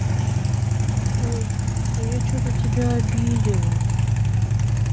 ой а я че то тебя обидела